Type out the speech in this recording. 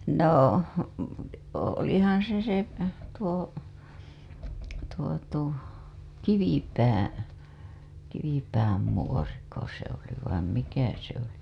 no - olihan se se tuo tuo tuo Kivipää Kivipään muoriko se oli vain mikä se oli